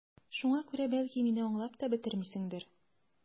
Шуңа күрә, бәлки, мине аңлап та бетермисеңдер...